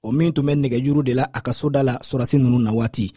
o min tun bɛ nɛgɛjuru de la a ka so da la sɔrɔdasi ninnu nawaati